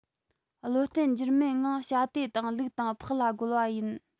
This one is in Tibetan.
བློ བརྟན འགྱུར མེད ངང བྱ དེ དང ལུག དང ཕག ལ རྒོལ བ ཡིན